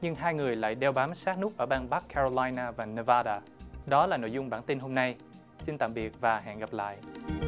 nhưng hai người lại đeo bám sát nút ở bang bắc ca rô lai na và ne va đà đó là nội dung bản tin hôm nay xin tạm biệt và hẹn gặp lại